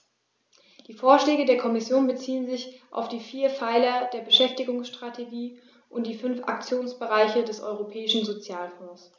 Die Vorschläge der Kommission beziehen sich auf die vier Pfeiler der Beschäftigungsstrategie und die fünf Aktionsbereiche des Europäischen Sozialfonds.